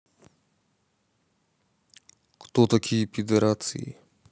кто такие пидерации